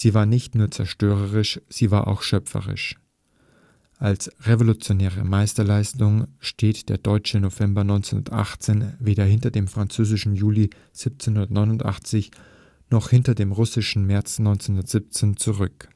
war nicht nur zerstörerisch, sie war auch schöpferisch. (…) Als revolutionäre Massenleistung steht der deutsche November 1918 weder hinter dem französischen Juli 1789 noch hinter dem russischen März 1917 zurück